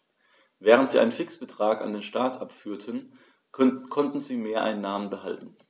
Während sie einen Fixbetrag an den Staat abführten, konnten sie Mehreinnahmen behalten.